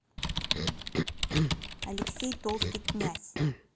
алексей толстой князь